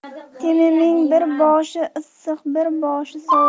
temiming bir boshi issiq bir boshi sovuq